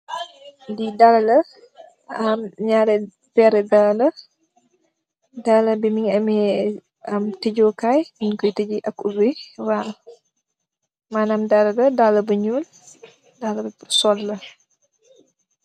Li dalla la, ñaari pééri dalla la, dalla la mugeh ameh tajeh kai ak ubih. Dalla bi dalla bu ñuul la, dalla la bi purr sol la.